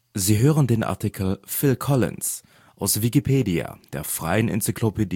Sie hören den Artikel Phil Collins, aus Wikipedia, der freien Enzyklopädie